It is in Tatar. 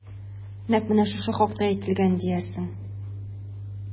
Нәкъ менә шушы хакта әйтелгән диярсең...